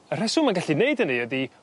Y rheswm ma'n gallu neud hynny ydi